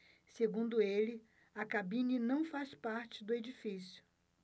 segundo ele a cabine não faz parte do edifício